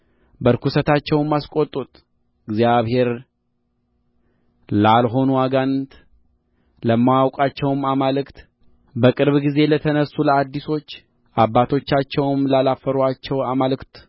በርኵሰታቸውም አስቈጡት እግዚአብሔር ላልሆኑ አጋንንት ለማያውቋቸውም አማልክት በቅርብ ጊዜ ለተነሡ ለአዲሶችአባቶቻቸውም ላልፈሩአቸው አማልክት